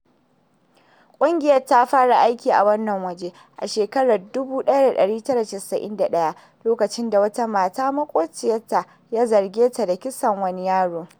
ƙungiyar ta fara aiki a wannan waje a shekarar 1991 lokacin da wata mata maƙocinta ya zarge ta da kisan wani yaro.